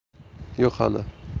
yo'q hali